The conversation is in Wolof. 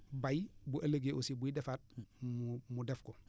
bay bu ëllëgee aussi buy defaat mu mu def ko